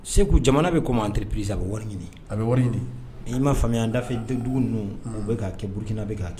Segu jamana bɛ comme entréprise a bɛ wari ɲinin a bɛ wari ɲinin i ma famuya nafɛn den dugu ninnu u bɛ ka kɛ Burkina bɛ ka k